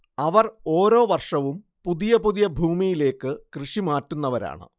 അവർ ഓരോ വർഷവും പുതിയ പുതിയ ഭൂമിയിലേക്ക് കൃഷി മാറ്റുന്നവരാണ്